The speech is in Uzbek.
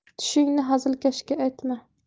tushingni hazilkashga aytma